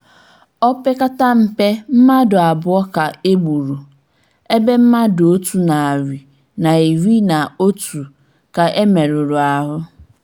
O pekata mmpe mmadụ abụọ ka e gburu, ebe mmadụ otu narị na iri na otu ka e meruru ahụ(Hụ mkpọkọba anyị pụrụ iche n'akwụkwọ Egypt's General Strike).